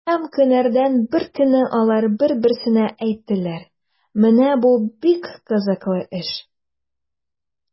Һәм көннәрдән бер көнне алар бер-берсенә әйттеләр: “Менә бу бик кызыклы эш!”